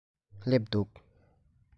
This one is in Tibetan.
སླེབས འདུག